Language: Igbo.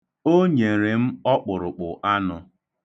O nyere m ọkpụrụkpụ anụ.